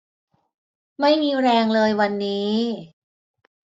ไม่มีแรงเลยวันนี้